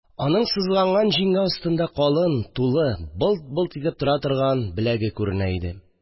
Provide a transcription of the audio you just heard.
Аның сызганган җиңе астында калын, тулы, былт-былт итеп тора торган беләге күренә иде